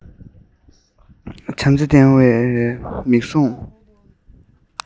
བྱམས བརྩེ ལྡན པའི མིག ཟུང